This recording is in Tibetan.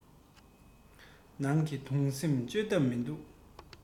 ནང གི དུང སེམས ཆོད ཐབས མིན འདུག